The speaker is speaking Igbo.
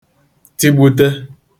tigbute